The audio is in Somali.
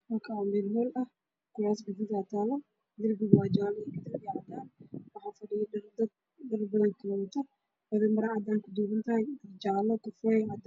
Meeshaan waa hool waxaa joogo niman iyo naago badan